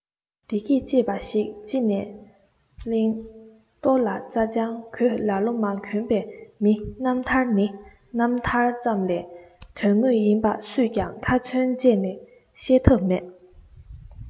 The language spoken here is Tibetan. བདེ སྐྱིད ཅེས པ ཞིག ཅི ནས གླེང ལྟོ ལ རྩྭ ལྗང གོས ལ ལོ མ གྱོན པའི མི རྣམ ཐར ནི རྣམ ཐར ཙམ ལས དོན དངོས ཡིན པ སུས ཀྱང ཁ ཚོན བཅད ནས བཤད ཐབས མེད